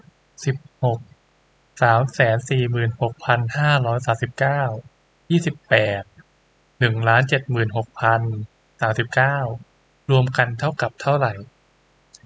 สิบหกสามแสนสี่หมื่นหกพันห้าร้อยสามสิบเก้ายี่สิบแปดหนึ่งล้านเจ็ดหมื่นหกพันสามสิบเก้ารวมกันเท่ากับเท่าไหร่